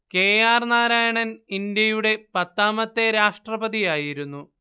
K R Narayanan ഇന്ത്യയുടെ പത്താമത്തെ രാഷ്ട്രപതിയായിരുന്നു